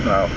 waaw